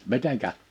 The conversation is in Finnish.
miten